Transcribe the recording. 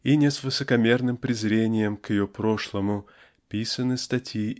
и не с высокомерным презрением к ее прошлому писаны статьи